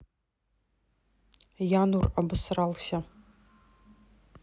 янур обосрался